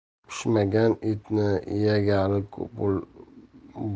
pishmagan etni yegali